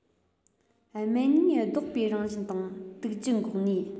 སྨན ནུས ཟློག པའི རང བཞིན དང དུག རྒྱུ འགོག ནུས